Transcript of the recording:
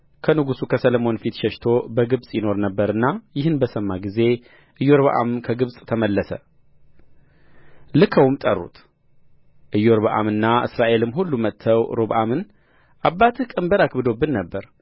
ከንጉሡ ከሰሎሞን ፊት ሸሽቶ በግብጽ ይኖር ነበርና ይህን በሰማ ጊዜ ኢዮርብዓም ከግብጽ ተመለሰ ልከውም ጠሩት ኢዮርብዓምና እስራኤልም ሁሉ መጥተው ሮብዓምን አባትህ ቀንበር አክብዶብን ነበር